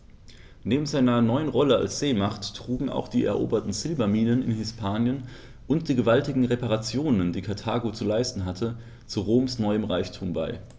Neben seiner neuen Rolle als Seemacht trugen auch die eroberten Silberminen in Hispanien und die gewaltigen Reparationen, die Karthago zu leisten hatte, zu Roms neuem Reichtum bei.